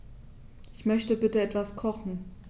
Ich möchte bitte etwas kochen.